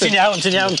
ti'n iawn ti'n iawn.